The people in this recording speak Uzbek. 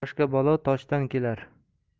boshga balo toshdan kelar